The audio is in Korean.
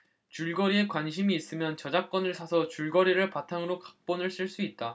줄거리에 관심이 있으면 저작권을 사서 줄거리를 바탕으로 각본을 쓸 수 있다